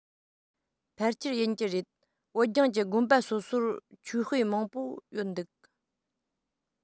ཕལ ཆེར ཡིན གྱི རེད བོད ལྗོངས ཀྱི དགོན པ སོ སོར ཆོས དཔེ མང པོ ཡོད འདུག